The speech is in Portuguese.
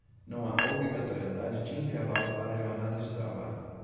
não há obrigatoriedade de intervalo para jornadas de trabalho